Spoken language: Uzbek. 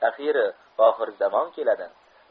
axiyri oxir zamon keladi